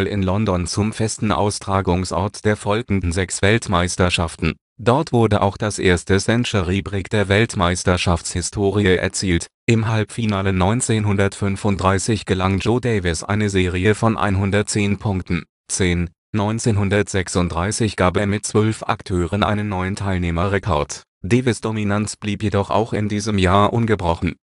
in London zum festen Austragungsort der folgenden sechs Weltmeisterschaften. Dort wurde auch das erste Century-Break der Weltmeisterschafts-Historie erzielt: Im Halbfinale 1935 gelang Joe Davis eine Serie von 110 Punkten. 1936 gab es mit zwölf Akteuren einen neuen Teilnehmerrekord. Davis ' Dominanz blieb jedoch auch in diesem Jahr ungebrochen